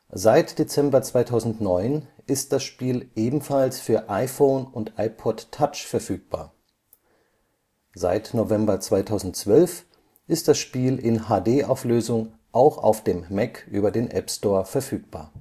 Seit Dezember 2009 ist das Spiel ebenfalls für iPhone und iPod Touch verfügbar. Seit November 2012 ist das Spiel in HD Auflösung auch auf dem Mac über den App Store verfügbar